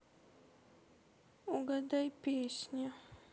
угадай песни